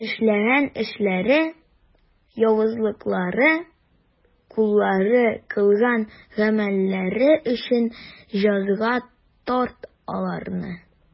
Эшләгән эшләре, явызлыклары, куллары кылган гамәлләре өчен җәзага тарт аларны.